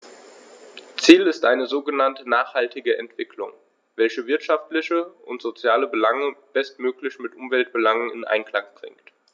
Ziel ist eine sogenannte nachhaltige Entwicklung, welche wirtschaftliche und soziale Belange bestmöglich mit Umweltbelangen in Einklang bringt.